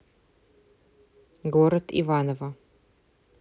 город иваново